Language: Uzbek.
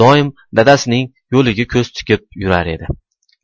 doim dadasining yo'liga ko'z tikib yurar edi